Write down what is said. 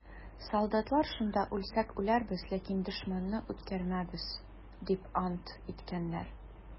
Солдатлар шунда: «Үлсәк үләрбез, ләкин дошманны үткәрмәбез!» - дип ант иткәннәр.